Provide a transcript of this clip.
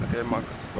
da koy màggal